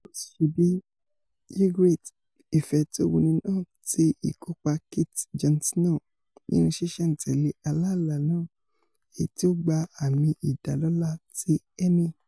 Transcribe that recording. Rose ṣe bíi Ygritte, ìfẹ́ tówuni náà ti ìkópa Kit Jon Snow, nínú ṣíṣẹ̀-n-tẹ̀lé aláàlá náà èyití ó gba àmì-ìdálọ́lá ti Emmy.